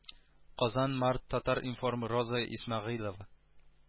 Казан март татар-информ роза исмәгыйлова